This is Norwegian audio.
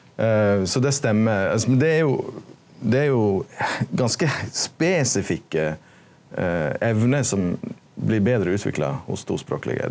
so det stemmer men det er jo det er jo ganske spesifikke evner som blir betre utvikla hos tospråklege.